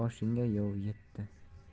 boshingga yov yetdi